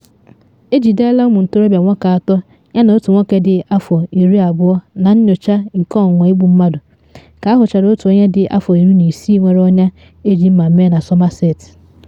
Ejidela ụmụ ntorobịa nwoke atọ yana otu nwoke dị afọ 20 na nyocha nke ọnwụnwa igbu mmadụ ka ahụchara otu onye dị afọ 16 nwere ọnya eji mma mee na Somerset.